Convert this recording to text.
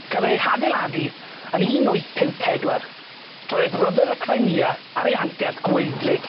cafodd ei hadeiladu yn un wyth pump pedwar, tra oedd ryfel y Crimea ar ei anterth gwaedlyd.